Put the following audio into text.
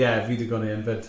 Ie, fi'n digon ên fyd.